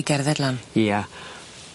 I gerdded lan? Ia.